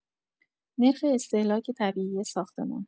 نرخ استهلاک طبیعی ساختمان